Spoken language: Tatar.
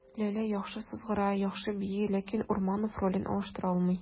Ләлә яхшы сызгыра, яхшы бии, ләкин Урманов ролен алыштыра алмый.